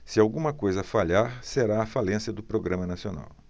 se alguma coisa falhar será a falência do programa nacional